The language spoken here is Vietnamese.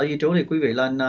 di trú thì quý vị lên